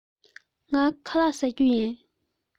ངས ཁ ལག བཟས མེད